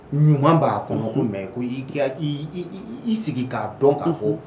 Ɲuman b'a kɔnɔ ko mɛ koi i sigi k'a dɔn ka fɔ